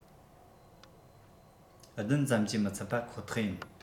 བདུན ཙམ གྱིས མི ཚད པ ཁོ ཐག ཡིན